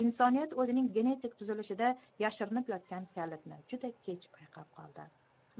insoniyat o'zining genetik tuzilishida yashirinib yotgan kalitni juda kech payqab qoldi